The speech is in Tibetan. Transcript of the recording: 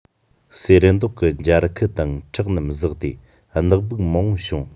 སེར མདོག གི འབྱར ཁུ དང ཁྲག རྣག ཟགས ཏེ རྣག སྦུབས མང བོ འབྱུང